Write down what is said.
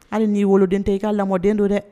Hali n'i woloden tɛ i ka lamɔden don dɛ